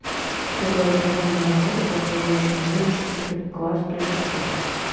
итоговая контрольная работа по окружающему миру четвертый класс плешаков